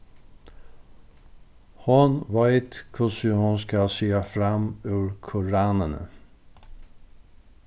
hon veit hvussu hon skal siga fram úr koranini